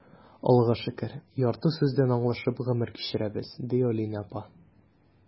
Аллаһыга шөкер, ярты сүздән аңлашып гомер кичерәбез,— ди Алинә апа.